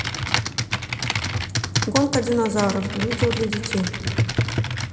гонка динозавров видео для детей